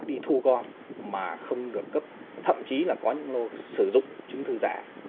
đi thu gom mà không được cấp thậm chí là có những lô sử dụng chứng thư giả